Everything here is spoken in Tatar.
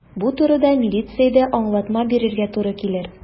Бу турыда милициядә аңлатма бирергә туры килер.